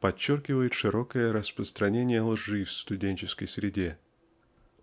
подчеркивает широкое распространение лжи в студенческой среде.